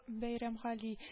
Бәйрәмгали